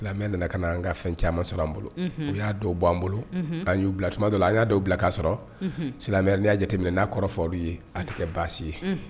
6Silamɛya nana ka an ka fɛn caaman sɔrɔ an bolo. Unhun. U y'a dɔw bɔ an bolo. Unhun. An y'u bila, tuma dɔw la an y'a bila k'a sɔrɔ. Unhun. Silamɛya la ni y'a jateminɛ n'a kɔrɔ fɔra i ye a tɛ kɛ basi ye. Unhun.